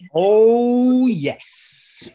Oh yes!